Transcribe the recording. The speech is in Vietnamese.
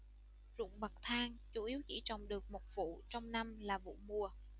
ruộng bậc thang chủ yếu chỉ trồng được một vụ trong năm là vụ mùa